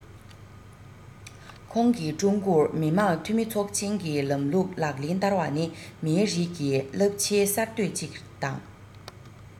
ཁོང གིས ཀྲུང གོར མི དམངས འཐུས མི ཚོགས ཆེན གྱི ལམ ལུགས ལག ལེན བསྟར བ ནི མིའི རིགས ཀྱི རླབས ཆེའི གསར གཏོད ཅིག དང